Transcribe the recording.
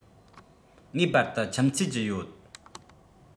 ངེས པར དུ ཁྱིམ མཚེས ཀྱི ཡོད